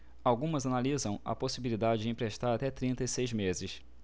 algumas analisam a possibilidade de emprestar até trinta e seis meses